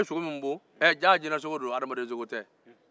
jaa jinɛsogo sdon adamadensogo tɛ